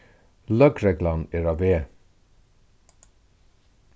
løgreglan er á veg